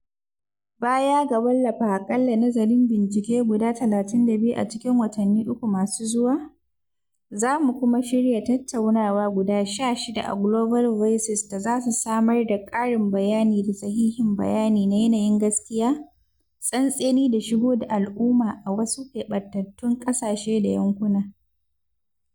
Baya ga wallafa aƙalla nazarin bincike guda 32 a cikin watanni uku masu zuwa, za mu kuma shirya tattaunawa guda 16 a Global Voices da zasu samar da ƙarin bayani da sahihin bayani na yanayin gaskiya, tsantseni da shigo da al’umma a wasu keɓantattun ƙasashe da yankuna.